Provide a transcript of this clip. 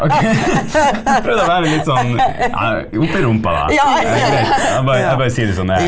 ok prøvde å være litt sånn ja opp i rumpa da, eller jeg bare jeg bare sier det som det er.